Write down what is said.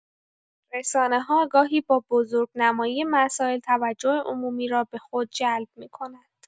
رسانه‌ها گاهی با بزرگنمایی مسائل، توجه عمومی را به خود جلب می‌کنند.